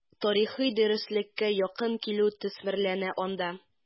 Тарихи дөреслеккә якын килү төсмерләнә анда.